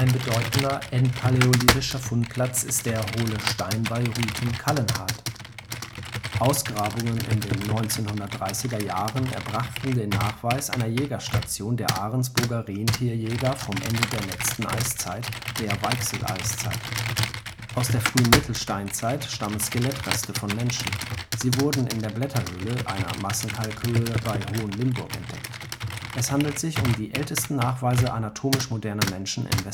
bedeutender endpaläolithischer Fundplatz ist der Hohle Stein bei Rüthen-Kallenhardt. Ausgrabungen in den 1930er Jahren erbrachten den Nachweis einer Jägerstation der Ahrensburger Rentierjäger vom Ende der letzten Eiszeit, der Weichsel-Eiszeit. Aus der frühen Mittelsteinzeit stammen Skelettreste von Menschen. Sie wurden in der Blätterhöhle, einer Massenkalkhöhle bei Hohenlimburg, entdeckt. Es handelt sich um die ältesten Nachweise anatomisch moderner Menschen